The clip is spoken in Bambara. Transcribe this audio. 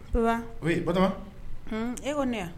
Baba ba e kɔni ne yan